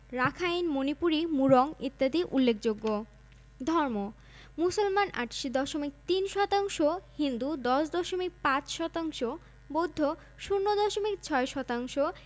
জেলায় মোট ১২ লক্ষের কিছু বেশি উপজাতি বসবাস করে বাংলাদেশে সব মিলিয়ে প্রায় ৪৫টি উপজাতীয় সম্প্রদায় রয়েছে এদের মধ্যে চাকমা গারো হাজং খাসিয়া মগ সাঁওতাল